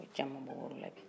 ɔɔ caama bɔra o la bi